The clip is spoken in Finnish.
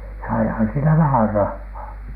saihan siinä vähän rahaa